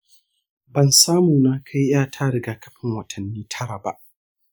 ban samu na kai yata rigakafin watannni tara ba.